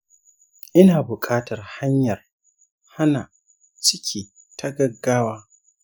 ina bukatar hanyar hana ciki ta gaggawa